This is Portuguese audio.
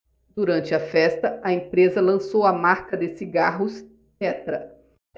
durante a festa a empresa lançou a marca de cigarros tetra